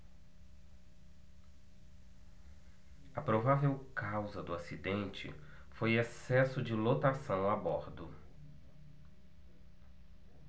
a provável causa do acidente foi excesso de lotação a bordo